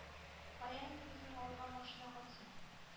Кая инде безнең авылга машина кайтсын.